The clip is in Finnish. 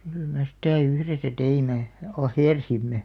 kyllä me sitä yhdessä teimme ahersimme